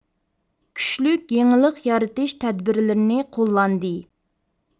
كۈچلۈك يېڭىلىق يارىتىش تەدبىرلىرىنى قوللاندى